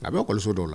A bɛ kɔlɔsi o dɔw la.